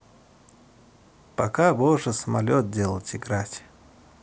пока боже самолет делать играть